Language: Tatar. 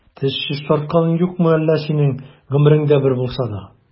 Теш чистартканың юкмы әллә синең гомереңдә бер булса да?